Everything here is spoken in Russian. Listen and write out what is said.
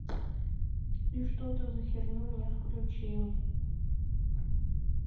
и что ты за херню мне включи